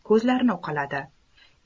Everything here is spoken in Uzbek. ko'zlarini uqaladi